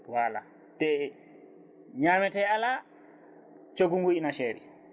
voilà te ñamete ala coggu ngu ina seeri